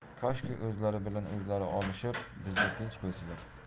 koshki o'zlari bilan o'zlari olishib bizni tinch qo'ysalar